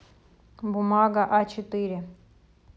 бумага а четыре